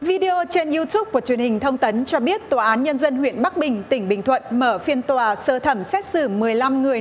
vi đê ô trên diu thúp của truyền hình thông tấn cho biết tòa án nhân dân huyện bắc bình tỉnh bình thuận mở phiên tòa sơ thẩm xét xử mười lăm người